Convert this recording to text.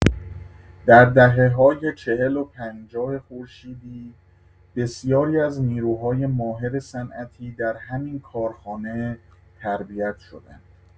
در دهه‌های ۴۰ و ۵۰ خورشیدی بسیاری از نیروهای ماهر صنعتی در همین کارخانه تربیت شدند.